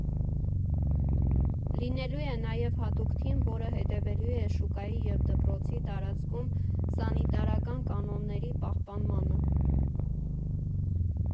Լինելու է նաև հատուկ թիմ, որը հետևելու է շուկայի և դպրոցի տարածքում սանիտարական կանոնների պահպանմանը։